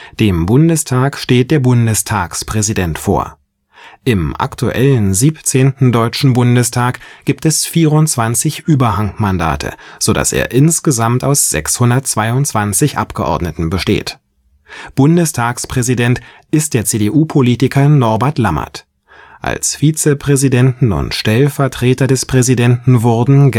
Dem Bundestag steht der Bundestagspräsident vor. Im aktuellen 17. Deutschen Bundestag gibt es 24 Überhangmandate, so dass er insgesamt aus 622 Abgeordneten besteht. Bundestagspräsident ist der CDU-Politiker Norbert Lammert. Als Vizepräsidenten und Stellvertreter des Präsidenten wurden